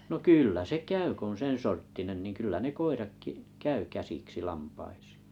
no kyllä se käy kun on sen sorttinen niin kyllä ne koiratkin käy käsiksi lampaisiin